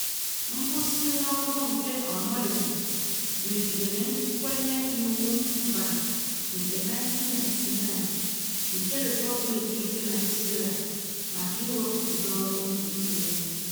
Nkwụsị n'ọru nke Onnoghen megidere nkenye Iwu Mba nke 1999 nke Rịpọbliiki Kemba Naịjirịa maka iwepụ ndị ọrụ ikpe.